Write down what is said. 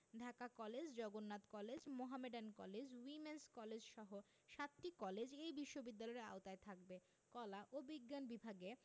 Dhaka college Jagannath college Mohammedan college women's কলেজসহ সাতটি college এ বিশ্ববিদ্যালয়ের আওতায় থাকবে কলা ও বিজ্ঞান বিভাগে